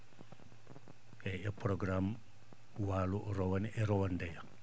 eeyi e programme waalo rowane e rowane ndeya